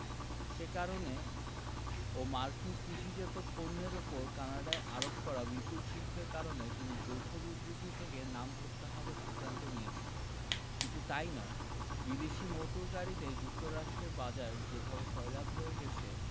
সে কারণে ও মার্কিন কৃষিজাত পণ্যের ওপর কানাডার আরোপ করা বিপুল শুল্কের কারণে তিনি যৌথ বিবৃতি থেকে নাম প্রত্যাহারের সিদ্ধান্ত নিয়েছেন শুধু তা ই নয় বিদেশি মোটর গাড়িতে যুক্তরাষ্ট্রের বাজার যেভাবে সয়লাব হয়ে গেছে